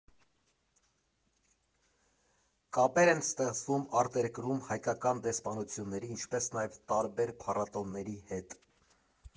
Կապեր են ստեղծվում արտերկրում հայկական դեսպանությունների, ինչպես նաև տարբեր փառատոների հետ։